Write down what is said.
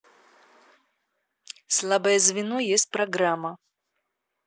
слабое звено есть программа